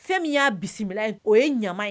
Fɛn min y'a bisimila ye o ye ɲama ye